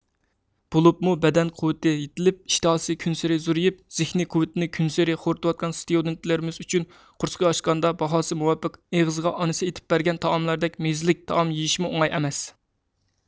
بولۇپمۇ بەدەن قۇۋۋىتى يېتىلىپ ئىشتىھاسى كۈنسېرى زورىيىپ زېھنىي قۇۋۋىتىنى كۈنسېرى خورىتىۋاتقان ستۇدېنتلىرىمىز ئۈچۈن قورسىقى ئاچقاندا باھاسى مۇۋاپىق ئېغىزىغا ئانىسى ئېتىپ بەرگەن تائاملاردەك مېززىلىك تائام يېيىشمۇ ئوڭاي ئەمەس